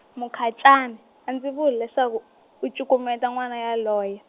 Mukhacani, a ndzi vuli leswaku, u cukumeta n'wana yoloye.